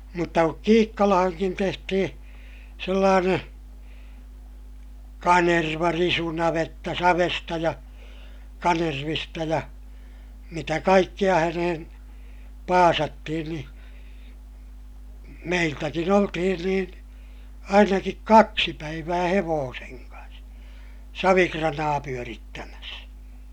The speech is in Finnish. mutta kun Kiikkalaankin tehtiin sellainen kanervarisunavetta savesta ja kanervista ja mitä kaikkia häneen paasattiin niin meiltäkin oltiin niin ainakin kaksi päivää hevosen kanssa savikranaa pyörittämässä